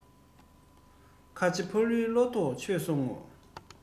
རྒྱ སྐད བོད ཀྱི སྐད ལ འགྱུར སོང ངོ